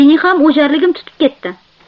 mening ham o'jarligim tutib ketdi